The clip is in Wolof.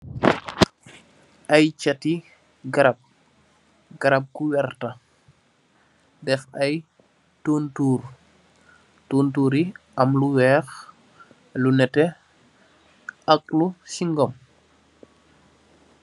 Ay ceeti garap, garap gu werta dèf ay tontorr, tontorr yi am lu wèèx, lu netteh ak lu singom.